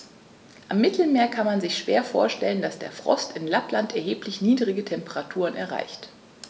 Am Mittelmeer kann man sich schwer vorstellen, dass der Frost in Lappland erheblich niedrigere Temperaturen erreicht.